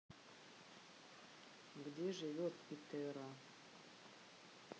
где живет итерро